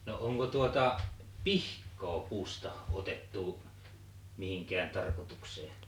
no onko tuota pihkaa puusta otettu mihinkään tarkoitukseen